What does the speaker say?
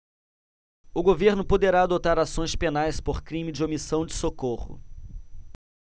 o governo poderá adotar ações penais por crime de omissão de socorro